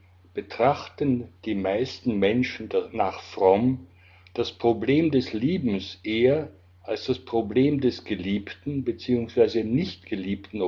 betrachteten die meisten Menschen das Problem des Liebens eher als das Problem des geliebten bzw. nicht geliebten